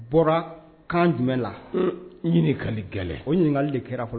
Bɔra kan jumɛn la n ɲininkakali gɛlɛn o ɲininkakali de kɛra fɔlɔ